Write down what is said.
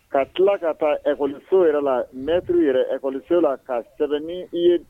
Ka kila ka taa ɛkɔliwo yɛrɛ la. Mɛtiri yɛɛr ɛkɔliso la ka sɛbɛn ni i ye